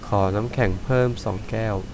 ขอน้ำแข็งเพิ่มสองแก้ว